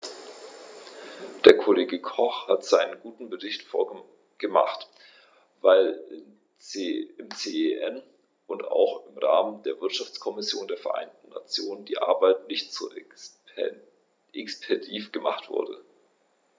Der Kollege Koch hat seinen guten Bericht gemacht, weil im CEN und auch im Rahmen der Wirtschaftskommission der Vereinten Nationen die Arbeit nicht so expeditiv gemacht wurde.